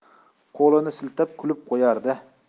qo'lini siltab kulib qo'yardi